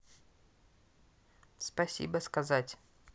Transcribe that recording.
спасибо сказать